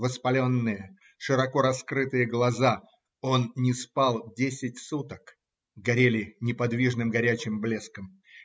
Воспаленные, широко раскрытые глаза (он не спал десять суток) горели неподвижным горячим блеском